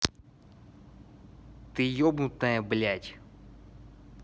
ты ебанутая блядь